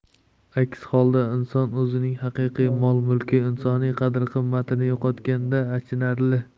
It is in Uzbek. aks holda inson o'zining haqiqiy mol mulki insoniy qadr qimmatini yo'qotganda achinarli